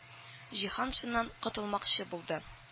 Җиһаншиннан котылмакчы булды